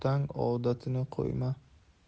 ham otang odatini qo'yma